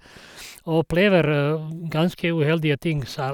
Og opplever ganske uheldige ting sær...